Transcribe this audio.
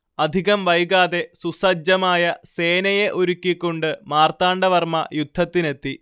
അധികം വൈകാതെ സുസജ്ജമായ സേനയെ ഒരുക്കിക്കൊണ്ട് മാർത്താണ്ടവർമ്മ യുദ്ധത്തിനെത്തി